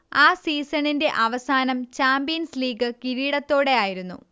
ആ സീസണിന്റെ അവസാനം ചാമ്പ്യൻസ് ലീഗ് കിരീടത്തോടെയായിരുന്നു